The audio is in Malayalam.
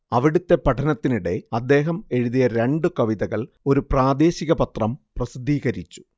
അവിടത്തെ പഠനത്തിനിടെ അദ്ദേഹം എഴുതിയ രണ്ടു കവിതകൾ ഒരു പ്രാദേശിക പത്രം പ്രസിദ്ധീകരിച്ചു